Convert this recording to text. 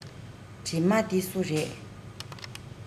གྲིབ མ དེ སུ རེད